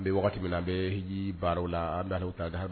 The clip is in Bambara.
An bɛ waati min na, an bɛ heji baaraw la. An bɛ Allahou ta